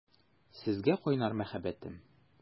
Сезгә кайнар мәхәббәтем!